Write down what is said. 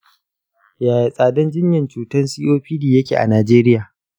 yaya tsadan jinyan cutan copd yake a nigeria?